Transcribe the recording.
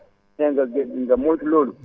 * nga moytu loolu